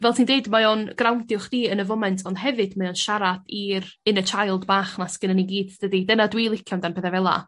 fel ti'n deud mae o'n growndio chdi yn y foment ond hefyd mae o'n siarad i'r inner child bach 'ma sgynno ni gyd dydi dyna dwi licio amdan petha fela.